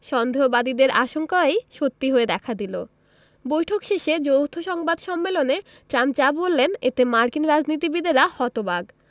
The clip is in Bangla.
সন্দেহবাদীদের আশঙ্কাই সত্যি হয়ে দেখা দিল বৈঠক শেষে যৌথ সংবাদ সম্মেলনে ট্রাম্প যা বললেন এতে মার্কিন রাজনীতিবিদেরা হতবাক